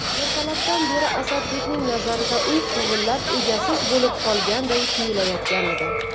ertalabdan beri asadbekning nazarida uy huvillab egasiz bo'lib qolganday tuyulayotgan edi